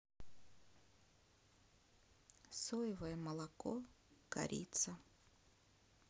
соевое молоко корица